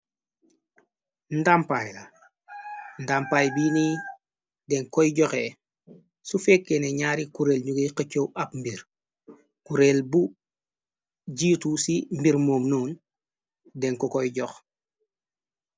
Ndampaay la ndampaay biini den koy joxe su fekkeene ñaari kureel ñugey këccew ab mbir kureel bu jiitu ci mbir moom noon denko koy jox.